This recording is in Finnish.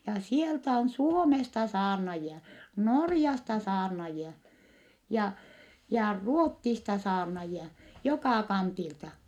ja sieltä on Suomesta saarnaajia Norjasta saarnaajia ja ja Ruotsista saarnaajia joka kantilta